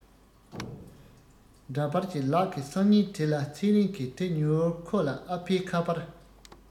འདྲ པར གྱི ལག གི སང ཉིན དེ ལ ཚེ རིང གི དེ མྱུར ཁོ ལ ཨ ཕའི ཁ པར